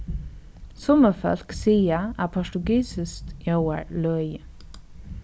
summi fólk siga at portugisiskt ljóðar løgið